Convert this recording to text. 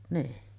niin